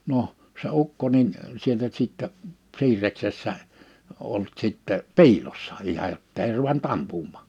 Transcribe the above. no se ukko niin sieltä sitten siirreksessä ollut sitten piilossa ihan jotta ei ruvennut ampumaan